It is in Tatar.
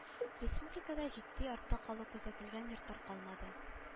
Республикада җитди артта калу күзәтелгән йортлар калмады